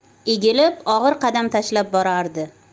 egilib og'ir qadam tashlab borardi